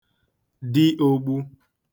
dị ōgbū